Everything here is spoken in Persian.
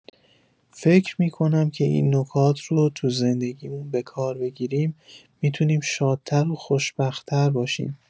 فکر می‌کنم اگه این نکات رو تو زندگیمون به کار بگیریم، می‌تونیم شادتر و خوشبخت‌تر باشیم.